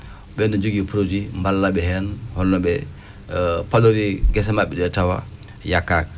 ɓeen no njogii produit mballa ɓe heen holno ɓe palori gese mabɓe ɗe tawa yakkaaki